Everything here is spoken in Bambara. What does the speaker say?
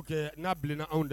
N'a bilana anw dɛ